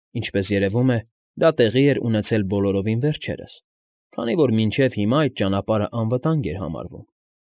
Ինչպես երևում է, դա տեղի էր ունեցել բոլորովին վերջերս, քանի որ մինչև հիմա այդ ճանապարհն անվտանգ էր համարվում։